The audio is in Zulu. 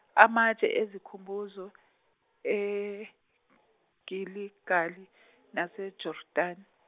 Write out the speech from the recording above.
amatshe ezikhumbuzo, eGiligali naseJordan-.